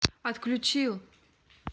отключил